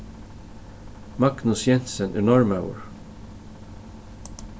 magnus jensen er norðmaður